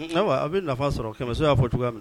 Nawa a bi nafa sɔrɔ Kɛmɛso y'a fɔ cogoya minna